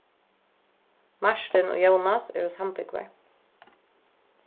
martin og jónas eru sambúgvar